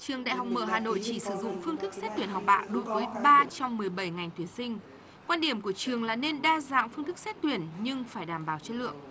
trường đại học mở hà nội chỉ sử dụng phương thức xét tuyển học bạ đối với ba trong mười bảy ngành tuyển sinh quan điểm của trường là nên đa dạng phương thức xét tuyển nhưng phải đảm bảo chất lượng